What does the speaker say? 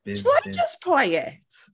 Shall I just play it?